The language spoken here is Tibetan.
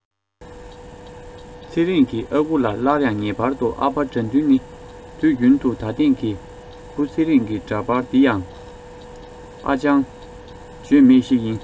ཚེ རིང གི ཨ ཁུ ལ སླར ཡང ངེས པར དུ ཨ ཕ དགྲ འདུལ ནི དུས རྒྱུན དུ ད ཐེངས ཀྱི བུ ཚེ རིང གི འདྲ པར འདི ཡང ཨ ཅང བརྗོད མེད ཞིག ཡིན